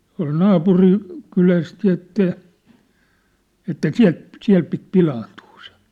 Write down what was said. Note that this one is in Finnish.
tuolla - naapurikylästä ja että että sieltä siellä piti pilaantua se